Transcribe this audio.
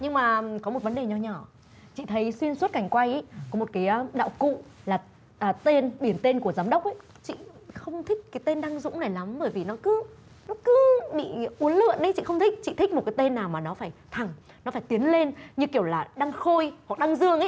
nhưng mà có một vấn đề nho nhỏ thấy xuyên suốt cảnh quay ý có một cái à đạo cụ là à tên biển tên của giám đốc ấy chị không thích cái tên đăng dũng này lắm bởi vì nó cứ nó cứ bị uốn lượn ấy chị không thích chị thích một cái tên nào mà nó phải thẳng nó phải tiến lên như kiểu là đăng khôi hoặc đăng dương ý